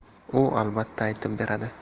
u albatta aytib beradi